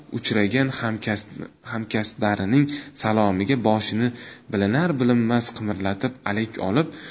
uchragan hamkasblarining salomiga boshini bilinar bilinmas qimirlatib alik olib